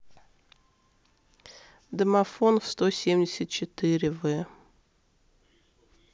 домофон в сто семьдесят четыре в